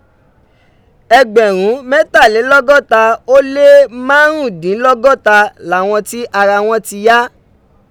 Ẹgbẹrun mẹtalelọgọta o le marundinlgọta lawọn ti ara wọn ti ya.